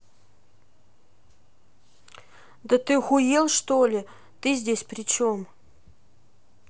ты охуел что ли ты здесь причем